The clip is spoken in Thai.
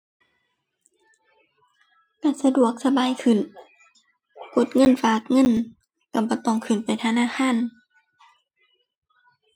ก็สะดวกสบายขึ้น กดเงิน ฝากเงิน ก็บ่ต้องขึ้นไปธนาคาร